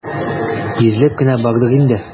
Йөзләп кенә бардыр инде.